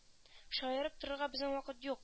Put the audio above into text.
Шаярып торырга безнең вакыт юк